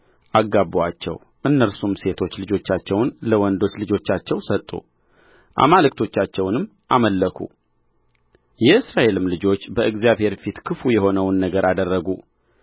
አገቡአቸው እነርሱም ሴቶች ልጆቻቸውን ለወንዶች ልጆቻቸው ሰጡ አማልክቶቻቸውንም አመለኩ የእስራኤልም ልጆች በእግዚአብሔር ፊት ክፉ የሆነውን ነገር አደረጉ